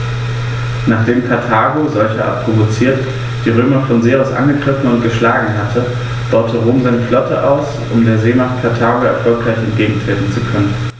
Nachdem Karthago, solcherart provoziert, die Römer von See aus angegriffen und geschlagen hatte, baute Rom seine Flotte aus, um der Seemacht Karthago erfolgreich entgegentreten zu können.